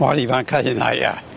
Mor ifanc a hynna ia.